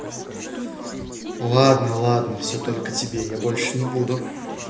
ладно ладно все только тебе я больше не буду